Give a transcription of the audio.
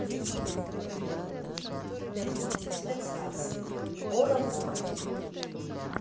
спецназ бора бора